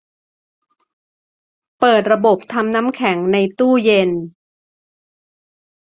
เปิดระบบทำน้ำแข็งในตู้เย็น